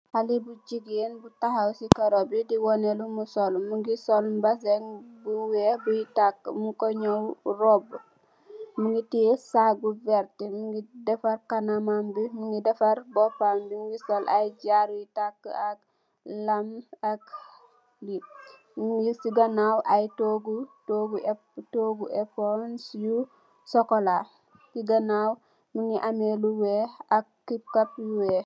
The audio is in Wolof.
hale bu jigeen bu takhaw ci karo bi di waneh lum sul mungi sul mbasen bu weex buye takuh mung ku nyaw robu mungi teyeh sac bu werta mu dafar kanamam bi dafar bopam bi sul aye jaru yuy takuh ak lamp yuy takuh nyungi si ganaw aye toguh yu eponge ci ganaw mungi am lu weex ak kipkup yu weex